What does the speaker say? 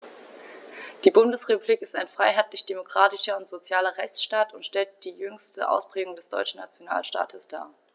Die Bundesrepublik ist ein freiheitlich-demokratischer und sozialer Rechtsstaat und stellt die jüngste Ausprägung des deutschen Nationalstaates dar.